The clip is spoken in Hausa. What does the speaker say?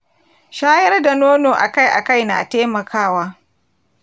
shayar da nono akai-akai na taimakawa